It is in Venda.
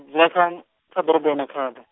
dzula kha, kha ḓorobo ya Makhado.